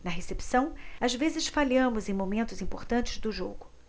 na recepção às vezes falhamos em momentos importantes do jogo